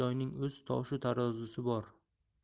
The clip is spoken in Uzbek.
joyning o'z toshu tarozisi bor